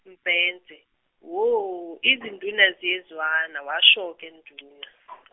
Mbhense, hho izinduna ziyezwana washo ke nduna.